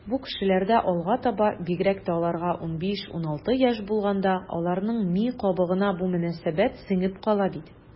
Бу кешеләрдә алга таба, бигрәк тә аларга 15-16 яшь булганда, аларның ми кабыгына бу мөнәсәбәт сеңеп кала бит.